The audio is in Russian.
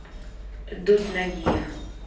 дудь нагиев